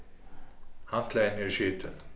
handklæðini eru skitin